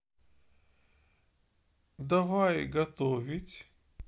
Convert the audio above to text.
давай готовить